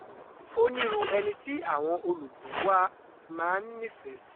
Ó nírú ẹni tí àwọn olùgbọ́ọ wa máa ń nífẹ̀ẹ́ sí.